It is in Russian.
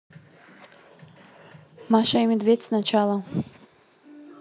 маша и медведь сначала